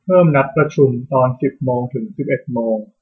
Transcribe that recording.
เพิ่มนัดประชุมตอนสิบโมงถึงสิบเอ็ดโมง